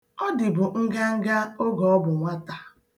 Ọ dịbu nganga oge ọ bụ nwata.